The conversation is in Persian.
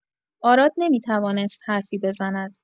آراد نمی‌توانست حرفی بزند.